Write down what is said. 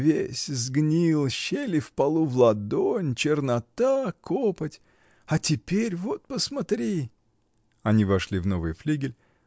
Весь сгнил, щели в полу в ладонь, чернота, копоть, а теперь вот посмотри! Они вошли в новый флигель.